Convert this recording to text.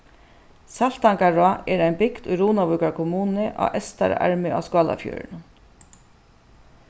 saltangará er ein bygd í runavíkar kommunu á eystara armi á skálafjørðinum